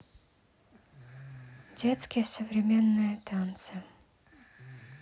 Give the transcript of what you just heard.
детские современные танцы